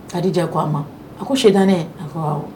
Ka dija ko a ma a ko sitanɛ a ko